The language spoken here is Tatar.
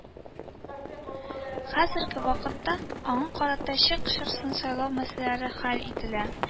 Хәзерге вакытта аңа карата чик чарасын сайлау мәсьәләсе хәл ителә